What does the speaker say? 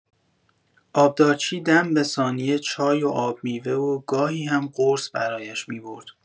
آبدارچی دم به ثانیه چای و آب‌میوه و گاهی هم قرص برایش می‌برد.